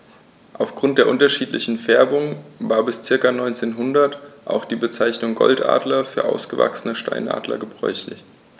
Auf Grund der unterschiedlichen Färbung war bis ca. 1900 auch die Bezeichnung Goldadler für ausgewachsene Steinadler gebräuchlich.